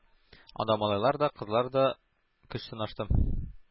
Анда малайлар да, кызлар да көч сынашты.